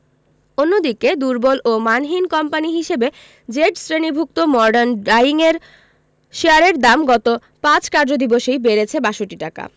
অন্যদিকে দুর্বল ও মানহীন কোম্পানি হিসেবে জেডস শ্রেণিভুক্ত মর্ডান ডায়িংয়ের শেয়ারের দাম গত ৫ কার্যদিবসেই বেড়েছে ৬২ টাকা